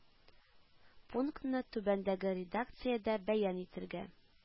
Пунктны түбәндәге редакциядә бәян итәргә: